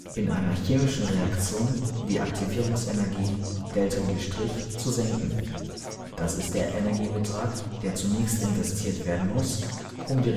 in einer chemischen Reaktion die Aktivierungsenergie (Δ G ‡){\ displaystyle (\ Delta G^ {\ ddagger})} zu senken: das ist der Energiebetrag, der zunächst investiert werden muss, um die